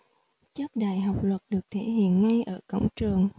chất đại học luật được thể hiện ngay ở cổng trường